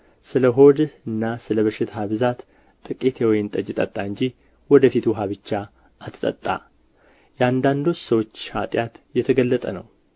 ስለ ሆድህና ስለ በሽታህ ብዛት ጥቂት የወይን ጠጅ ጠጣ እንጂ ወደ ፊት ውኃ ብቻ አትጠጣ የአንዳንዶች ሰዎች ኃጢአት የተገለጠ ነው